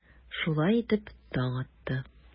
Шулай итеп, таң атты.